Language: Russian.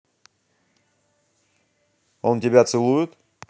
он тебя целует